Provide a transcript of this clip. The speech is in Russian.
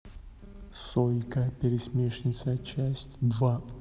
сойка пересмешница часть два